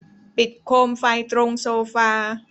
ปิดโคมไฟตรงโซฟา